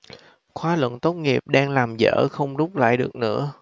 khóa luận tốt nghiệp đang làm dở không rút lại được nữa